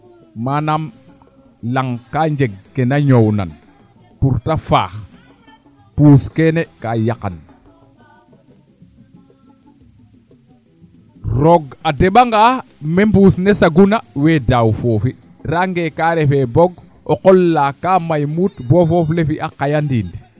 manaam laŋ kaa njeg keena ñoownan pour te faax puus keene kaa yaqan roog a deɓangaa me mbuus ne saguna we daaw foofi raange kaa refe boog o qola kaa may muut bo foof le fi a qaya ndiit